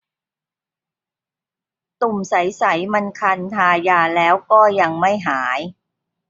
ตุ่มใสใสมันคันทายาแล้วก็ยังไม่หาย